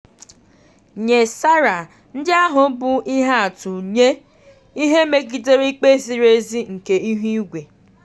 Nye Sarah, ndị ahụ bụ ihe atụ nye "ihe megidere ikpe ziri ezi nke ihu igwe".